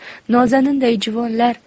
nozaninday juvonlar